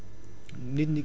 xam nga phosphate